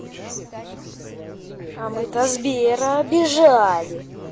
а мы то сбера обижали